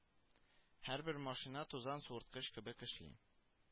Һәрбер машина тузан суырткыч кебек эшли